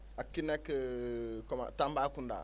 ak ki nekk comment Tambacounda